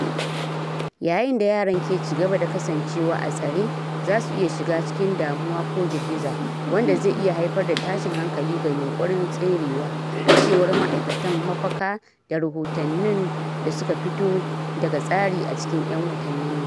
Yayin da yaran ke ci gaba da kasancewa a tsare, za su iya shiga cikin damuwa ko girgiza, wanda zai iya haifar da tashin hankali ko yunƙurin tserewa, a cewar ma'aikatan mafaka da rahotannin da suka fito daga tsarin a cikin 'yan watannin nan.